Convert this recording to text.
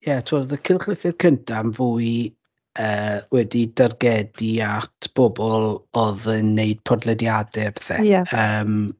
Ie tiod oedd y cylchlythyr cynta yn fwy yy wedi'i dargedu at bobl oedd yn wneud podlediadau a pethau... Ie. ...Ymm